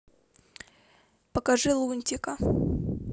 покажи лунтика